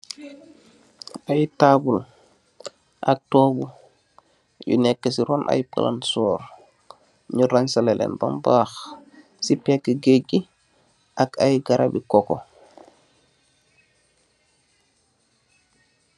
Aye table, ak togu, yu nek si ron aye palansor, nyu ransalaleen bam baakh, si pegh gaij gi, ak aye garabi coco.